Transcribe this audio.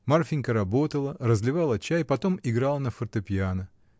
Марфинька работала, разливала чай, потом играла на фортепиано.